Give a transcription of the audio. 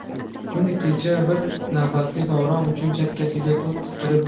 kuni kecha bir nafaslik orom uchun chakkasiga pul qistirib